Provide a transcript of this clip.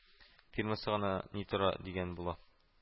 Фирмасы гына ни тора, дигән була